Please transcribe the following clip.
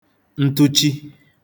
ntụchi